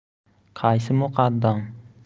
qaysi muqaddam